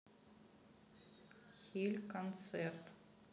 хиль концерт